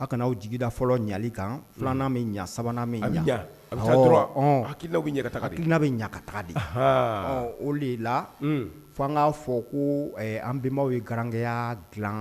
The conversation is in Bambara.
A kanaaw jigida fɔlɔ ɲali kan filanan min ɲa sabanan min ɲa ha hakili hakiliina bɛ ɲakata de ɔ o de la fo'a fɔ ko an bɛnenbaw ye garanya dila